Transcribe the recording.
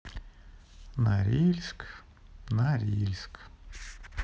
норильск норильск